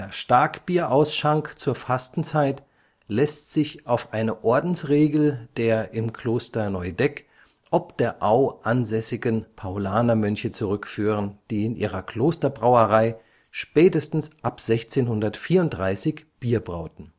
Starkbierausschank zur Fastenzeit lässt sich auf eine Ordensregel der im Kloster Neudeck ob der Au ansässigen Paulaner-Mönche zurückführen, die in ihrer Klosterbrauerei spätestens ab 1634 Bier brauten